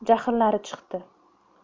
jahllari chiqdi